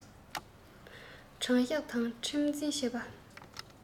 དྲང གཞག ངང ཁྲིམས འཛིན བྱེད པ